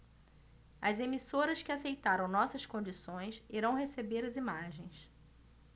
as emissoras que aceitaram nossas condições irão receber as imagens